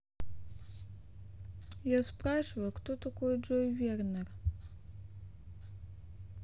я спрашиваю кто такой джой вернер